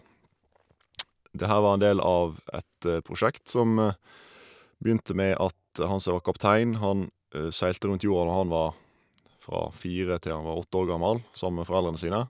Det her var en del av et prosjekt som begynte med at han som var kaptein, han seilte rundt jorda når han var fra fire til han var åtte år gammel, sammen med foreldrene sine.